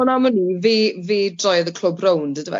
Ond am wn i fe fe droeodd y clwb rownd yndyfe?